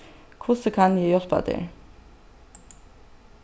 hvussu kann eg hjálpa tær